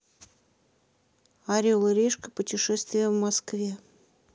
орел и решка путешествие в москве